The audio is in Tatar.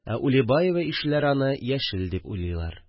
Ә Улибаева ишеләр аны яшел дип уйлыйлар